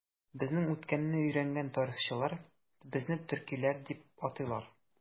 Безнең үткәнне өйрәнгән тарихчылар безне төркиләр дип атыйлар.